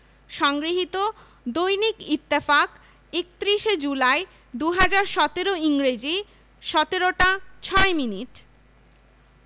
সংগৃহীত দৈনিক ইত্তেফাক ৩১ জুলাই ২০১৭ ইংরেজি ১৭ টা ৬ মিনিট